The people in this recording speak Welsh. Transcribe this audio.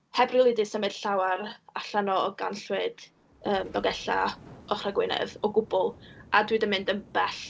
heb rili 'di symud llawer allan o Ganllwyd yy Dolgellau, ochrau Gwynedd o gwbl, a dwi 'di mynd yn bell.